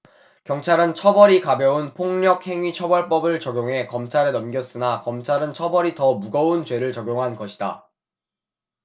경찰은 처벌이 가벼운 폭력행위처벌법을 적용해 검찰에 넘겼으나 검찰은 처벌이 더 무거운 죄를 적용한 것이다